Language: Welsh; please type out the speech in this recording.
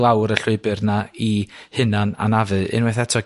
lawr y llwybyr 'na i hunan-anafu unwaith eto